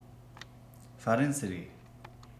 ཧྥ རན སིའི རེད